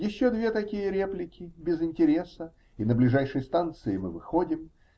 Еще две такие реплики без интереса, и на ближайшей станции мы выходим.